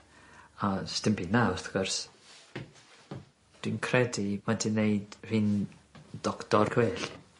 A do's dim byd 'na wrth gwrs. Dwi'n credu ma' 'di neud fi'n doctor gwell.